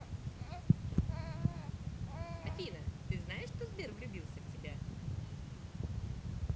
афина ты знаешь что сбер влюбился в тебя